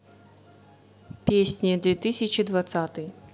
песни две тысячи двадцатый